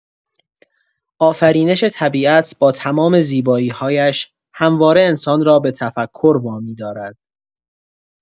آفرینش طبیعت با تمام زیبایی‌هایش همواره انسان را به تفکر وامی‌دارد.